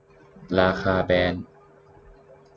ราคาแบรนด์